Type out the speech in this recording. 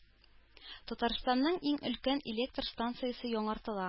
Татарстанның иң өлкән электр станциясе яңартыла